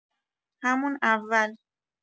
همون اول